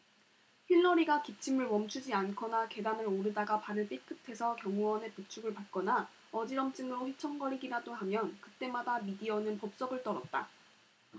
힐러리가 기침을 멈추지 않거나 계단을 오르다가 발을 삐끗해서 경호원의 부축을 받거나 어지럼증으로 휘청거리기라도 하면 그 때마다 미디어는 법석을 떨었다